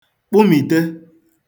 kpụmìte